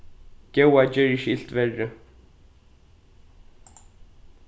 góða ger ikki ilt verri